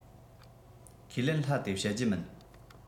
ཁས ལེན སླ དེ བཤད རྒྱུ མིན